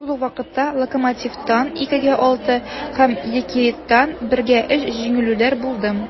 Шул ук вакытта "Локомотив"тан (2:6) һәм "Йокерит"тан (1:3) җиңелүләр булды.